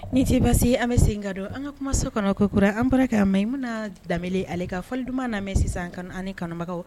Ni tɛ basi ye an bɛ segin ka don an ka kumaso kɔnɔ ko kura an bɔra Mayimuna Denbele ale ka fɔli duman lamɛn sisan ani kanubagaw.